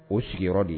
O sigiyɔrɔ de ye